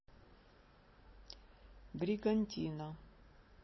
бригантина